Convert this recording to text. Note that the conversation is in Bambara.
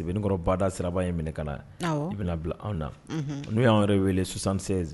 Ikɔrɔ bada siraba ye minɛ ka i bɛna bila anw na n'u y' yɛrɛ wele susansen